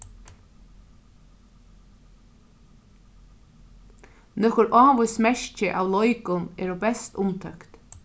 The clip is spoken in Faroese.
nøkur ávís merki av leikum eru best umtókt